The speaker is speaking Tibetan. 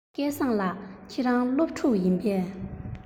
སྐལ བཟང ལགས ཁྱེད རང སློབ ཕྲུག ཡིན པས